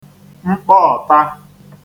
mkpọọ̄ta